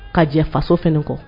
Ka jɛ fasof kɔ